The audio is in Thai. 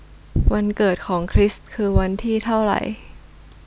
วันเกิดของคริสคือวันที่เท่าไร